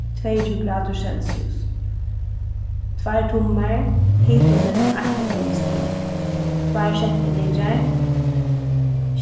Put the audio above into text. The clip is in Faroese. tveyogtjúgu gradir celsius tveir tummar hitin millum eitt og fimm stig tveir sentilitrar